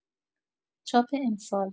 چاپ امسال